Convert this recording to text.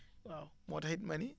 waaw moo taxit ma ni